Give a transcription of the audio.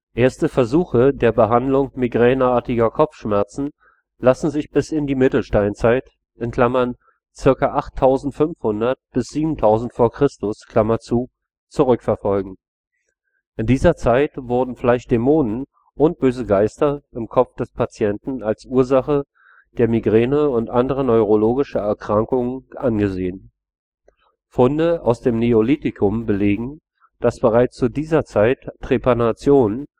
Erste Versuche der Behandlung migräneartiger Kopfschmerzen lassen sich bis in die Mittelsteinzeit (ca. 8500 – 7000 v. Chr.) zurückverfolgen. In dieser Zeit wurden vielleicht Dämonen und böse Geister im Kopf der Patienten als Ursache der Migräne und anderer neurologischer Erkrankungen angesehen. Funde aus dem Neolithikum belegen, dass bereits zu dieser Zeit Trepanationen